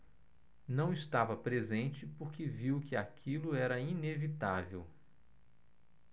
não estava presente porque viu que aquilo era inevitável